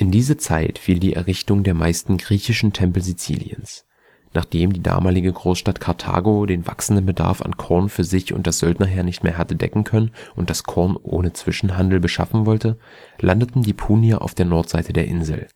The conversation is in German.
diese Zeit fiel die Errichtung der meisten griechischen Tempel Siziliens. Nachdem die damalige Großstadt Karthago den wachsenden Bedarf an Korn für sich und das Söldnerheer nicht mehr hatte decken können und das Korn ohne Zwischenhandel beschaffen wollte, landeten die Punier auf der Nordseite der Insel